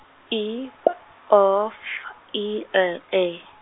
I P O F I L E.